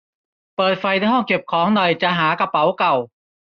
เปิดไฟในห้องเก็บของหน่อยจะหากระเป๋าเก่า